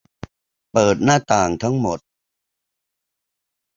เปิดหน้าต่างทั้งหมด